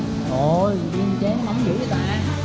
chồi subin chế nước mắm dữ vậy ta